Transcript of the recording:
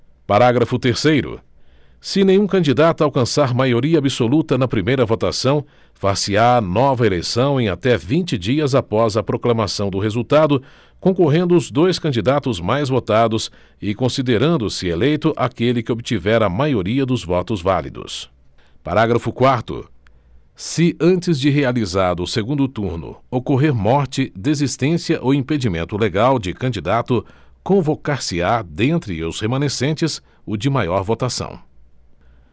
parágrafo terceiro se nenhum candidato alcançar maioria absoluta na primeira votação far se á nova eleição em até vinte dias após a proclamação do resultado concorrendo os dois candidatos mais votados e considerando se eleito aquele que obtiver a maioria dos votos válidos parágrafo quarto se antes de realizado o segundo turno ocorrer morte desistência ou impedimento legal de candidato convocar se á dentre os remanescentes o de maior votação